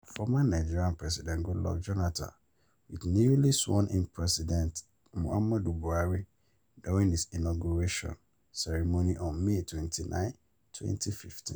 Former Nigerian President Goodluck Jonathan with newly sworn-in President Muhammadu Buhari during his inauguration ceremony on May 29, 2015.